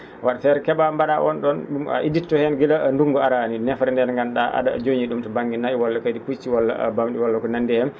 wa? feere ke?aa mba?aa oon ?oon a iditto heen gila ndunngu araani nefere nde nganndu?aa a?a jogii ?um to ba?nge na'i walla kadi pucci walla bam?i walla ko nanndi hen